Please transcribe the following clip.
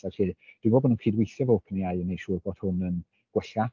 Felly dwi'n gwybod bod nhw'n cydweithio efo OpenAI i wneud siŵr bod hwn yn gwella.